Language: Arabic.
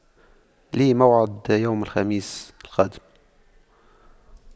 لي موعد يوم الخميس القادم